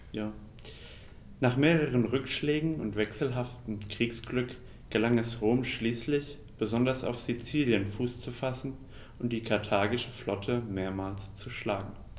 Nach mehreren Rückschlägen und wechselhaftem Kriegsglück gelang es Rom schließlich, besonders auf Sizilien Fuß zu fassen und die karthagische Flotte mehrmals zu schlagen.